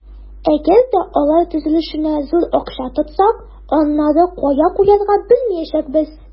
Әгәр дә алар төзелешенә зур акча тотсак, аннары кая куярга белмәячәкбез.